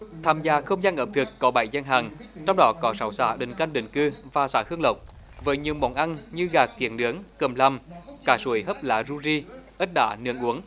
tham gia không gian ẩm thực có bảy gian hàng trong đó có sáu xã định canh định cư và xã hương lộc với nhiều món ăn như gà kiểng nướng cơm lam cá chuối hấp lá xu ri ếch tả liền uống